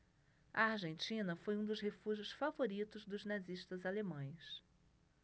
a argentina foi um dos refúgios favoritos dos nazistas alemães